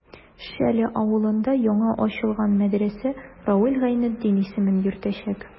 Шәле авылында яңа ачылган мәдрәсә Равил Гайнетдин исемен йөртәчәк.